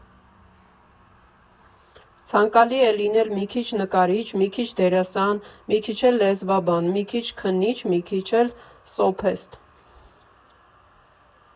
Ցանկալի է լինել մի քիչ նկարիչ, մի քիչ դերասան, մի քիչ լեզվաբան, մի քիչ քննիչ, մի քիչ էլ՝ սոփեստ։